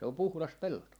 se on puhdas pelto